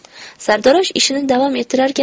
sartarosh ishini davom ettirarkan